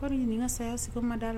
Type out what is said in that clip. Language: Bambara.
Wari ɲini ɲininka ka saya se ma da la